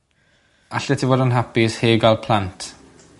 Allet ti fod yn hapus heb ga'l plant?